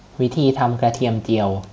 วิธีทำกระเทียมเจียว